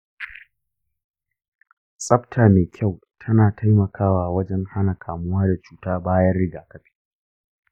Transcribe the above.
tsafta mai kyau tana taimakawa wajen hana kamuwa da cuta bayan rigakafi.